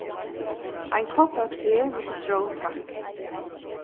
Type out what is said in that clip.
ein kopp av te við sitrón takk